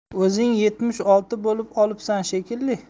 o'zing yetmish olti bo'lib olibsan shekilli